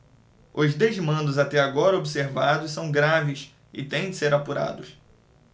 os desmandos até agora observados são graves e têm de ser apurados